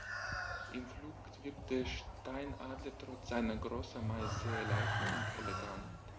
Im Flug wirkt der Steinadler trotz seiner Größe meist sehr leicht und elegant.